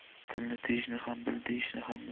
tilni tiyishni ham bil deyishni ham bil